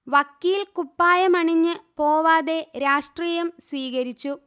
വക്കീല്ക്കുപ്പായമണിഞ്ഞ് പോവാതെ രാഷ്ട്രീയം സ്വീകരിച്ചു